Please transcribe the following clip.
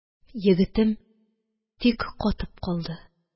Егетем тик катып калды